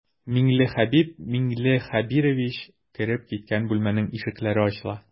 Миңлехәбиб миңлехәбирович кереп киткән бүлмәнең ишекләре ачыла.